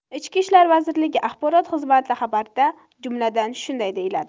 ichki ishlar vazirligi axborot xizmatixabarda jumladan shunday deyiladi